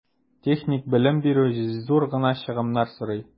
Техник белем бирү зур гына чыгымнар сорый.